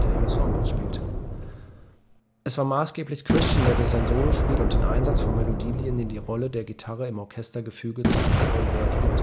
Ensemble spielte. “Es war maßgeblich Christian, der durch sein Solospiel und den Einsatz von Melodielinien die Rolle der Gitarre im Orchestergefüge zu einem vollwertigen